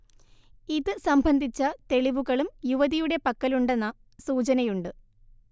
ഇത് സംബന്ധിച്ച തെളിവുകളും യുവതിയുടെ പക്കലുണ്ടെന്ന സൂചനയുണ്ട്